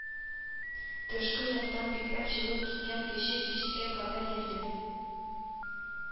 Тышкы яктан бикләп чыгып киткән кеше кичкә кадәр йөрдем